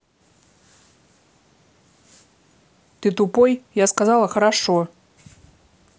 ты тупой я сказала хорошо